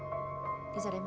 đi